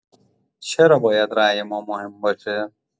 چرا باید رای ما مهم باشه؟